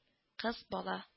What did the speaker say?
Кыз бала